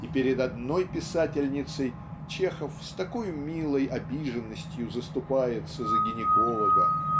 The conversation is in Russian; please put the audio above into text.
И перед одной писательницей Чехов с такою милой обиженностью заступается за гинеколога